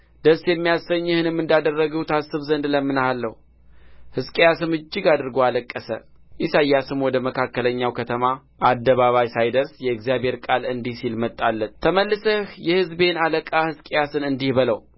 ደስ የሚያሰኝህንም እንዳደረግሁ ታስብ ዘንድ እለምንሃለሁ ሕዝቅያስም እጅግ አድርጎ አለቀሰ ኢሳይያስም ወደ መካከለኛው ከተማ አደባባይ ሳይደርስ የእግዚአብሔር ቃል እንዲህ ሲል መጣለት ተመልሰህ የሕዝቤን አለቃ ሕዝቅያስን እንዲህ በለው